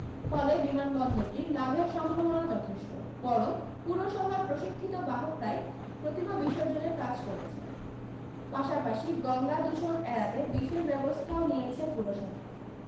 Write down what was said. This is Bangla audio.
ফলে বিমানবন্দরটির লাভের সম্ভাবনা যথেষ্ট বরং পুরসভার প্রশিক্ষিত বাহকরাই প্রতিমা বিসর্জনের কাজ করেছেন পাশাপাশি গঙ্গা দূষণ এড়াতে বিশেষ ব্যবস্থাও নিয়েছে পুরসভা